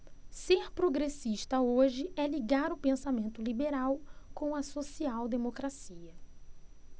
ser progressista hoje é ligar o pensamento liberal com a social democracia